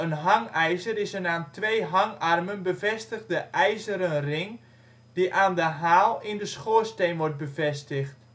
hangijzer is een aan twee hangarmen bevestigde ijzeren ring die aan de haal in de schoorsteen wordt bevestigd